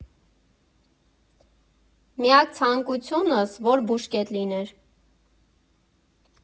Միակ ցանկությունս՝ որ բուժկետ լիներ։